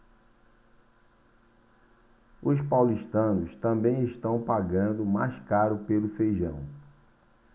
os paulistanos também estão pagando mais caro pelo feijão